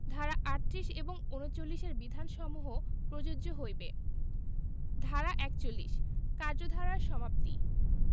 ধারা ৩৮ এবং ৩৯ এর বিধানসসূহ প্রযোজ্য হইবে ধারা ৪১ কার্যধারার সমাপ্তি